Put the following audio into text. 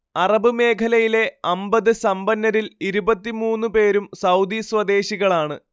Arab മേഖലയിലെ അമ്പത് സമ്പന്നരിൽ ഇരുപത്തിമൂന്നു പേരും സൗദി സ്വദേശികളാണ്